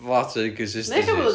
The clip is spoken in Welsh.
lot o inconsistencies...